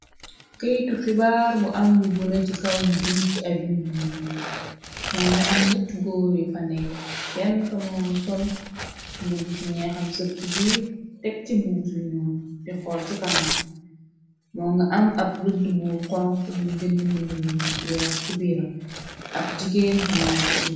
keytu xibaar bu an lu bula ci kaw ñu binde ci ay binde yu ñuul moo nga am nyate góor yu fa nekg kenn ko moo nga sol mbubusu ñeexam sëb ci biir teg ti mbubusu nuul dixool ci kanam moo nga am ab rëdde bu xonko bug binde mbind mu ñuul weex ci biiram ab jigéen moo ngi ci suuf.